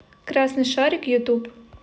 красный шарик ютуб